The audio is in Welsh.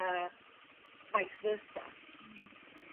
A vice versa.